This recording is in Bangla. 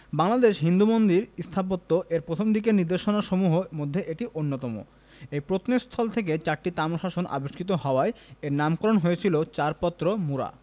বাংলাদেশে হিন্দু মন্দির স্থাপত্য এর প্রথমদিকের নিদর্শনসমূহের মধ্যে এটি অন্যতম এই প্রত্নস্থল থেকে চারটি তাম্রশাসন আবিষ্কৃত হওয়ায় এর নামকরণ হয়েছে চারপত্র মুরা